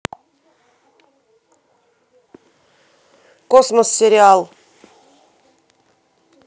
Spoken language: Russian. космос сериал